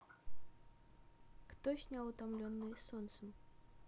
кто снял утомленные солнцем